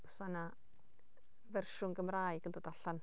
Fysa 'na fersiwn Gymraeg yn dod allan.